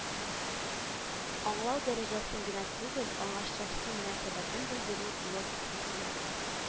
Аңлау дәрәҗәсен генә түгел, аңа шәхси мөнәсәбәтен белдерү, логик фикерләү